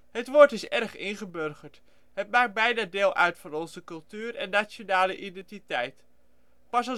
Het woord is erg ingeburgerd. Het maakt bijna deel uit van onze cultuur en nationale identiteit ". Pas